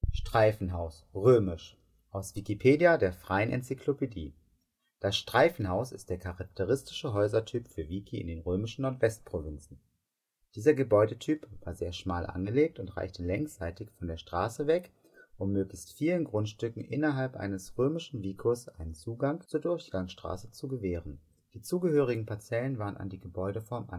Streifenhaus (römisch), aus Wikipedia, der freien Enzyklopädie. Mit dem Stand vom Der Inhalt steht unter der Lizenz Creative Commons Attribution Share Alike 3 Punkt 0 Unported und unter der GNU Lizenz für freie Dokumentation. Das Streifenhaus ist der charakteristische Häusertyp für vici in den römischen Nordwestprovinzen. Dieser Gebäudetyp war sehr schmal angelegt und reichte längsseitig von der Straße weg, um möglichst vielen Grundstücken innerhalb eines römischen vicus einen Zugang zur Durchgangsstraße zu gewähren. Die zugehörigen Parzellen waren an die Gebäudeform